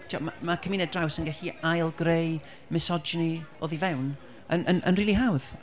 timod, mae'r cymuned draws yn gallu ail-greu misogyny oddi fewn yn, yn, yn rili hawdd.